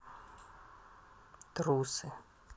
трусы